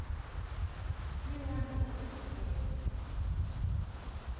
милана новая серия